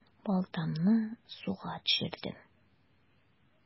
Балтамны суга төшердем.